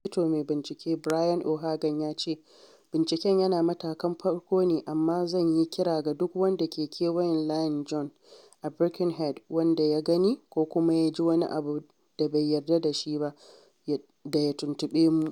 Sufeto Mai Bincike Brian O'Hagan ya ce: ‘Binciken yana matakan farko ne amma zan yi kira ga duk wanda ke kewayen Layin John a Birkenhead wanda ya gani ko kuma ya ji wani abu da bai yarda da shi ba da ya tuntuɓe mu.